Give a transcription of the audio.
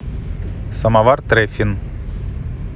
самовар треффин